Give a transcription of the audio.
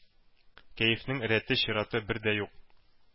Кәефнең рәте-чираты бер дә юк.